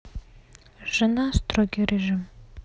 жена строгий режим